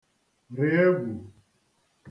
rị egwù